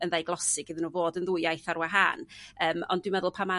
yn ddiglosig iddyn n'w fod yn ddwy iaith ar wahân. Yym ond dwi'n meddwl pan ma'